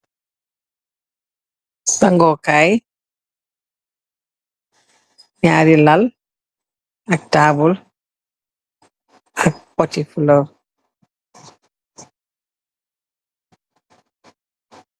Sango kai, nyaari lal, ak tabul, ak poti florr.